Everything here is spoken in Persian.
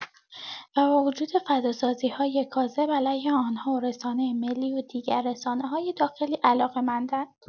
و با وجود فضاسازی‌های کاذب علیه آنها و رسانه ملی و دیگر رسانه‌های داخلی، علاقه‌مندند.